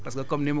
bu mënee nekk